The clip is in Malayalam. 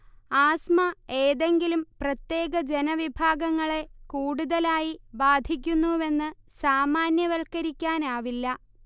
ആസ്മ ഏതെങ്കിലും പ്രത്യേക ജനവിഭാഗങ്ങളെ കൂടുതലായി ബാധിക്കുന്നുവെന്ന് സാമാന്യവൽക്കരിക്കാനാവില്ല